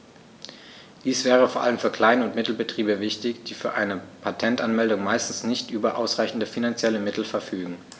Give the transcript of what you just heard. Dies wäre vor allem für Klein- und Mittelbetriebe wichtig, die für eine Patentanmeldung meistens nicht über ausreichende finanzielle Mittel verfügen.